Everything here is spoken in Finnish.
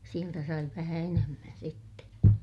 sieltä sai vähän enemmän sitten